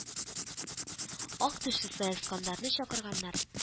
Ак түшле саесканнарны чакырганнар